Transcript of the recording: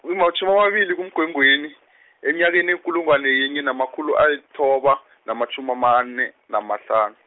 u- amatjhumi amabili kuMgwengweni, enyakeni eyikulungwana yinye, namakhulu ayithoba, namatjhumi amane, namahlanu.